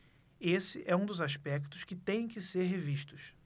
esse é um dos aspectos que têm que ser revistos